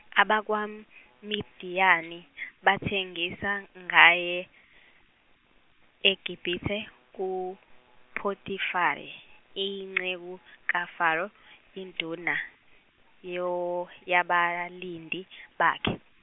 AbakwaM- -Midiyani bathengisa ngaye eGibithe kuPotifari inceku kaFaro induna yo- yabalindi bakhe.